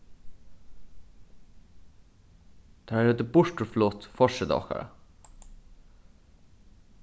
teir høvdu burturflutt forseta okkara